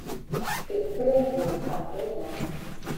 ปิดเครื่องดูดควันด้วยนะ